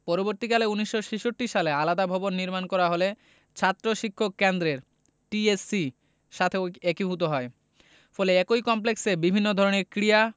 পরবর্তীকালে ১৯৬৬ সালে আলাদা ভবন নির্মাণ করা হলে ছাত্র শিক্ষক কেন্দ্রের টিএসসি সাথে একীভূত হয় ফলে একই কমপ্লেক্সে বিভিন্ন ধরনের ক্রীড়া